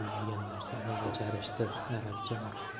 deb o'ylagan narsani bajarishdir arabcha maqol